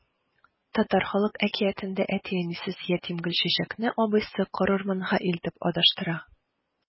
Татар халык әкиятендә әтисез-әнисез ятим Гөлчәчәкне абыйсы карурманга илтеп адаштыра.